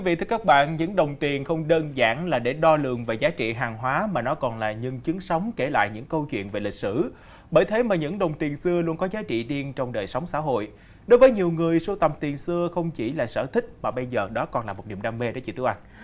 vị thưa các bạn những đồng tiền không đơn giản là để đo lường và giá trị hàng hóa mà nó còn là nhân chứng sống kể lại những câu chuyện về lịch sử bởi thế mà những đồng tiền xưa luôn có giá trị riêng trong đời sống xã hội đối với nhiều người sưu tầm tiền xưa không chỉ là sở thích mà bây giờ đó còn là một niềm đam mê đó chị tú anh